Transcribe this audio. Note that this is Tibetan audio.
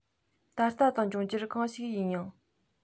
ད ལྟ དང འབྱུང འགྱུར གང ཞིག ཡིན ཡང